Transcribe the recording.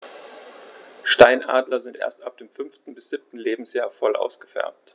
Steinadler sind erst ab dem 5. bis 7. Lebensjahr voll ausgefärbt.